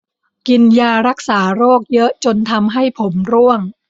กินยารักษาโรคเยอะจนทำให้ผมร่วง